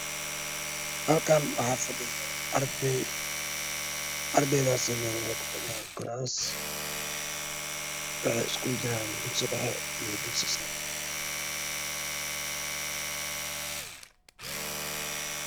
Halkaan waxa fadhiyo arday ardaysina waxey ku fadhiyaan kuraas waxey iskugu jiraan dugsi dhexe iyo dugsi sarre